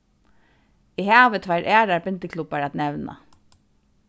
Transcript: eg havi tveir aðrar bindiklubbar at nevna